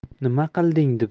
nima qilding deb